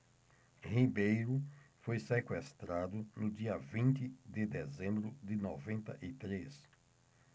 ribeiro foi sequestrado no dia vinte de dezembro de noventa e três